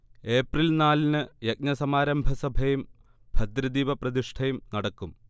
April നാലിന് യജ്ഞസമാരംഭസഭയും ഭദ്രദീപ പ്രതിഷ്ഠയും നടക്കും